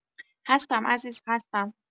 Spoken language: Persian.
هستم عزیز هستم